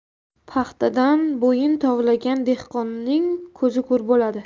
paxtadan bo'yin tovlagan dehqonning ko'zi ko'r bo'ladi